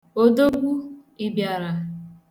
Odogwu! Ị bịara?